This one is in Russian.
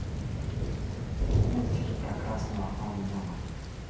мультики про красного амняма